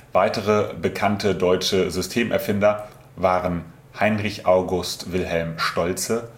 Weitere bekannte deutsche Systemerfinder waren Heinrich August Wilhelm Stolze